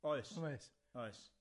Oes. Oes. Oes.